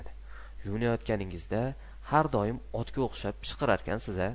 yuvinayotganingizda har doim otga o'xshab pishqirasiz a